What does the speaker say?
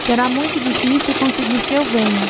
será muito difícil conseguir que eu venha